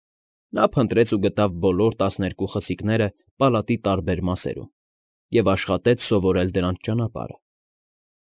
Նա փնտրեց ու գտավ բոլոր տասներկու խցիկները պալատի տարբեր մասերում և աշխատեց սովորել դրանց ճանապարհը։